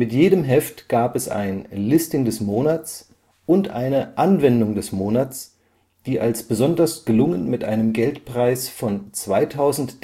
jedem Heft gab es ein „ Listing des Monats “und eine „ Anwendung des Monats “die als besonders gelungen mit einem Geldpreis von 2000 DM